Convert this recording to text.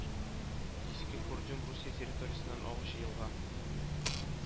Иске Курдюм Русия территориясеннән агучы елга